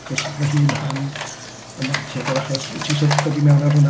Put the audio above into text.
Achos oedd hi'n rhan annatod o'r achos. Wyt ti isio dod i mewn ar hwnna?